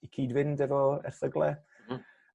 i cyd-fynd efo erthygle. Hmm.